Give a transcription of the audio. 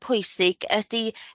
...pwysig ydi